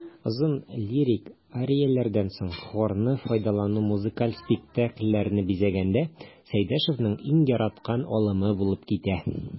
Озын лирик арияләрдән соң хорны файдалану музыкаль спектакльләрне бизәгәндә Сәйдәшевнең иң яраткан алымы булып китә.